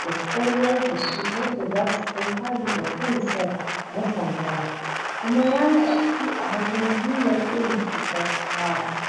da "koyar" da su yadda za su kai hari ga sel-sel na sankara kuma ya yi aiki a wajen jinyar irin cutar fara.